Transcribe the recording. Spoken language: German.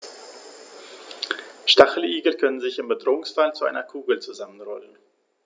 Stacheligel können sich im Bedrohungsfall zu einer Kugel zusammenrollen.